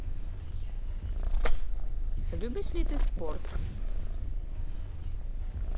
любишь ли ты спорт